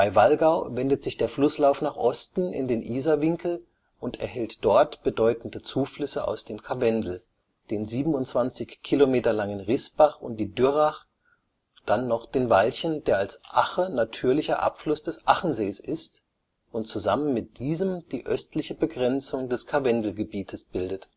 Wallgau wendet sich der Flusslauf nach Osten in den Isarwinkel und erhält dort bedeutende Zuflüsse aus dem Karwendel, den 27 km langen Rißbach und die Dürrach, dann noch den Walchen, der als Ache natürlicher Abfluss des Achensees ist und zusammen mit diesem die östliche Begrenzung des Karwendelgebietes bildet